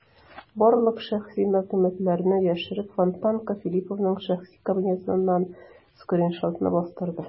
Барлык шәхси мәгълүматларны яшереп, "Фонтанка" Филипповның шәхси кабинетыннан скриншотны бастырды.